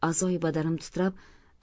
azoyi badanim titrab